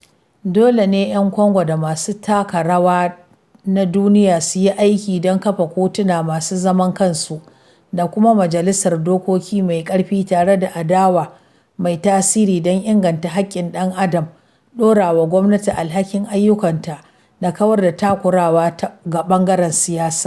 Dole ne ‘yan Congo da masu taka rawa na duniya su yi aiki don kafa kotuna masu zaman kansu, da kuma majalisar dokoki mai ƙarfi tare da adawa mai tasiri don inganta haƙƙin ɗan adam, ɗorawa gwamnati alhakin ayyukanta, da kawar da takurawa ga ɓangaren siyasa.